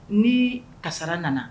Ni kasara nana